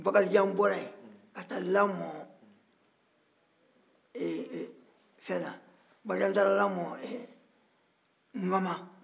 bakarijan bɔra yen ka taa lamɔn ŋama